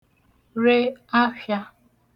re afhịā